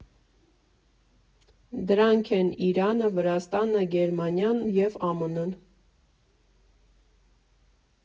Դրանք են Իրանը, Վրաստանը, Գերմանիան և ԱՄՆ֊ն։